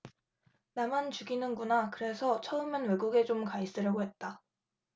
나만 죽이는 구나 그래서 처음엔 외국에 좀 가있으려고 했다